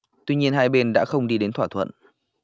tuy nhiên hai bên đã không đi đến thỏa thuận